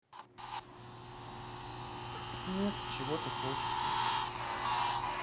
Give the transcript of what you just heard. нет чего то хочется